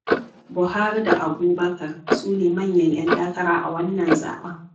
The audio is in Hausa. Buhari da Abubakar su ne manyan 'yan takara a wannan zaɓen.